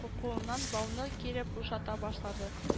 Куркуыннан бауны кире бушата башлады